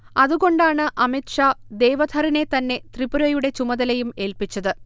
അതുകൊണ്ടാണ് അമിത് ഷാ ദേവധറിനെ തന്നെ ത്രിപുരയുടെ ചുമതലയും ഏൽപിച്ചത്